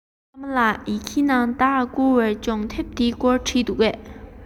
ཨ མ ལགས ཡི གེ ནང ཟླ བསྐུར བའི སྒྲུང དེབ དེ འབྱོར བའི སྐོར བྲིས འདུག གས